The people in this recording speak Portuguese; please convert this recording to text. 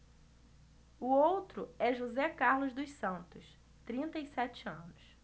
o outro é josé carlos dos santos trinta e sete anos